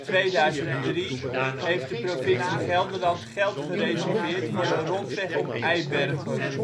2003 heeft de provincie Gelderland geld gereserveerd voor een rondweg om Eibergen